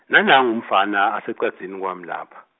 nanangu umfana asecadzini kwami lapha.